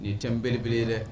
Nin ye thème belebele ye dɛ